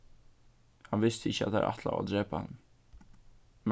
hann visti ikki at teir ætlaðu at drepa hann